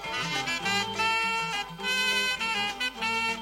Maa kɛ diɲɛ laban